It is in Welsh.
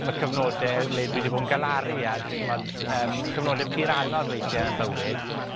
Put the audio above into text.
A ma' cyfnode le dwi 'di bod yn galaru a 'dych ch'mod yym cyfnode pur anodd weithie y n bywyd,